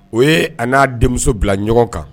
O ye a n'a denmuso bila ɲɔgɔn kan